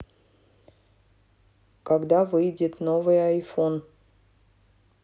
когда выйдет новый айфон